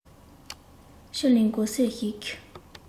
ཕྱི གླིང མགོ སེར ཞིག གིས